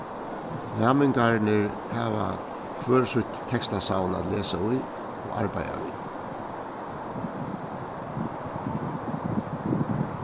næmingarnir hava hvør sítt tekstasavn at lesa í og arbeiða við